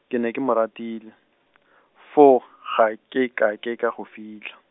ke ne ke mo ratile , foo, ga ke ka ke ka go fitlha.